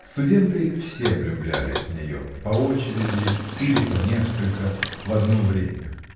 Студенты все влюблялись в нее, по очереди или по нескольку в одно время.